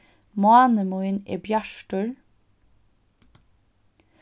máni mín er bjartur